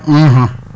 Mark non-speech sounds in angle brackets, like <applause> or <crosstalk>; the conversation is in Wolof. <hesitation> <hesitation>